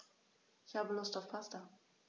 Ich habe Lust auf Pasta.